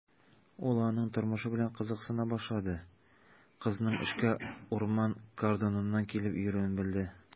Ул аның тормышы белән кызыксына башлады, кызның эшкә урман кордоныннан килеп йөрүен белде.